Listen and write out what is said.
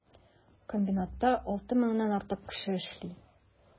Комбинатта 6 меңнән артык кеше эшли.